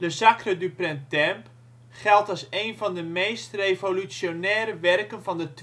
Sacre du Printemps geldt als een van de meest revolutionaire werken van de